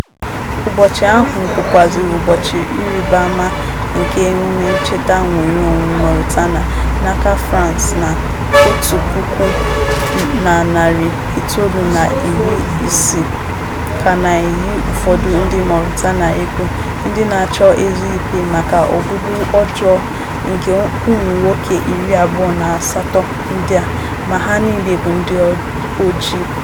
Ụbọchị ahụ, bụkwazị ụbọchị iribaama nke emume ncheta nnwereonwe Mauritania n'aka France na 1960, ka na-eyi ụfọdị ndị Mauritania egwu ndị na-achọ ezi ikpe maka ogbugbu ọjọọ nke ụmụnwoke 28 ndị a, ma ha niile bụ ndị oji.